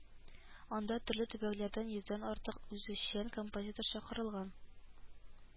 Анда төрле төбәкләрдән йөздән артык үзешчән композитор чакырылган